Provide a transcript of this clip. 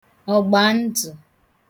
ọ̀gbàndtụ̀